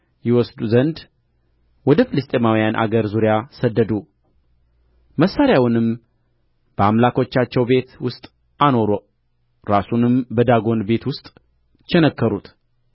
ይወስዱ ዘንድ ወደ ፍልስጥኤማውያን አገር ዙሪያ ሰደዱ መሣሪያውንም በአምላኮቻቸው ቤት ውስጥ አኖሩ ራሱንም በዳጎን ቤት ውስጥ ቸነከሩት